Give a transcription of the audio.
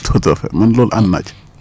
tout à fait man loolu ànd naa ci